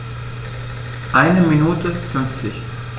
Eine Minute 50